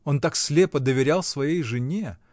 Он так слепо доверял своей жене